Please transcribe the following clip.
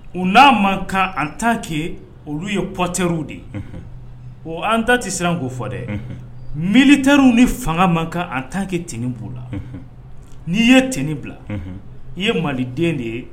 U n'a manka an tan kɛ olu ye pɔtɛrw de ye o an ta tɛ siran k koo fɔ dɛ mili terirw ni fanga man kan an tan kɛ tin b'u la n'i ye t ni bila i ye maliden de ye